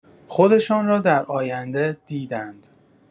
خودشان را در آینده دیدند؛